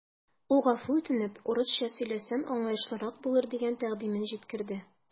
Ул гафу үтенеп, урысча сөйләсәм, аңлаешлырак булыр дигән тәкъдимен җиткерде.